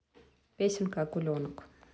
песенка акуленок